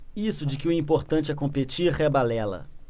isso de que o importante é competir é balela